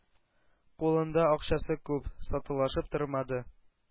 Кулында акчасы күп. Сатулашып тормады.